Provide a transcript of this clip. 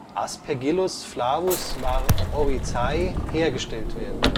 Aspergillus flavus var. oryzae) hergestellt werden